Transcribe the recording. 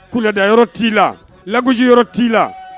Kulɛda yɔrɔ t'i la lagsi yɔrɔ t'i la